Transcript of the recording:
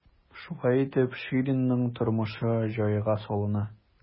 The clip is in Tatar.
Шулай итеп, Ширинның тормышы җайга салына.